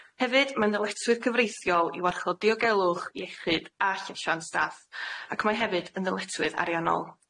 Hefyd mae'n ddyletswydd cyfreithiol i warchod diogelwch iechyd a llesiant staff ac mae hefyd yn ddyletswydd ariannol.